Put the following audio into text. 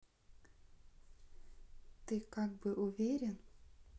ты как бы уверен